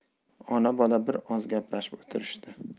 ona bola bir oz gaplashib o'tirishdi